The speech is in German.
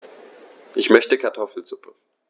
Ich möchte Kartoffelsuppe.